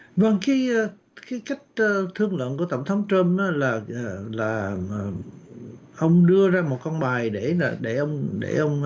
vâng cái cái cách thương thương lượng của tổng thống trăm nó là là ông đưa ra một con bài để để để ông để ông